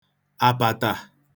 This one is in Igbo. àpàtà